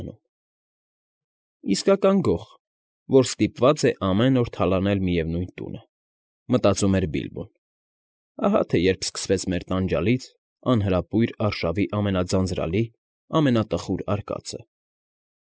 Մնում։ «Իսկական գող, որ ստիպված է ամեն օր թալանել միևնույն տունը,֊ մտածում էր Բիլբոն։֊ Ահա թե երբ սկսվեց մեր տանջալից անհրապույր արշավի ամենաձանձրալի, ամենատխուր արկածը։